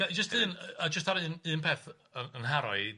Ga- jyst un a jyst ar un un peth yy yn nharo i ydi,